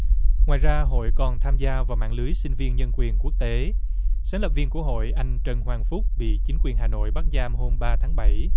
ngoài ra hội còn tham gia vào mạng lưới sinh viên nhân quyền quốc tế sáng lập viên của hội anh trần hoàng phúc bị chính quyền hà nội bắt giam hôm ba tháng bảy